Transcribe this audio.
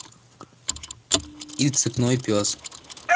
и цепной пес